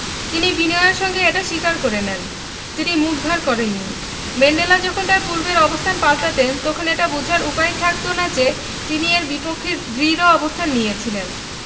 তিনি বিনয়ের সঙ্গে এটা স্বীকার করে নেন তিনি মুখ ভার করেননি ম্যান্ডেলা যখন তাঁর পূর্বের অবস্থান পাল্টাতেন তখন এটা বোঝার উপায়ই থাকত না যে তিনি এর বিপক্ষে দৃঢ় অবস্থান নিয়েছিলেন